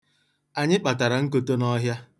Anyị kpatara nkoto n'ọhịa.